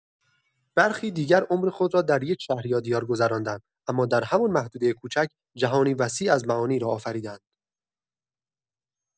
برخی دیگر عمر خود را در یک شهر یا دیار گذرانده‌اند، اما در همان محدوده کوچک، جهانی وسیع از معانی را آفریده‌اند.